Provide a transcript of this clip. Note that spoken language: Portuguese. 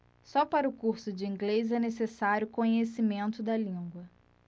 só para o curso de inglês é necessário conhecimento da língua